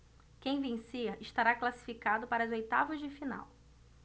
quem vencer estará classificado para as oitavas de final